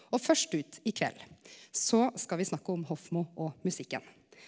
og først ut i kveld så skal vi snakke om Hofmo og musikken.